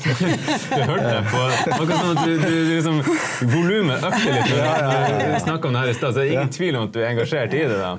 det hørte jeg på volumet økte litt når vi snakket om det her i stad så det er ingen tvil om at du er engasjert i det da.